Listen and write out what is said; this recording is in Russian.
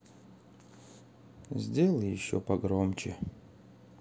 сделай еще погромче